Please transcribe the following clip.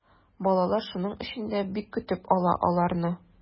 Балалар шуның өчен дә бик көтеп ала аларны.